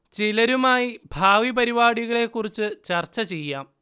ചിലരുമായി ഭാവി പരിപാടികളെ കുറിച്ച് ചർച്ചചെയ്യാം